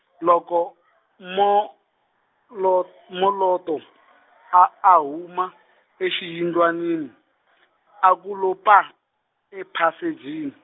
loko, Molo- Moloto, a a huma exiyindlwanini , a ku lo paa, ephasejini.